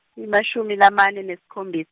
emashumi lamane nesikhombi-.